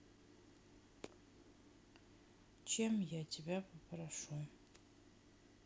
чем я тебя попрошу